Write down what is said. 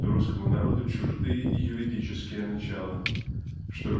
что русскому народу чужды "юридические начала" что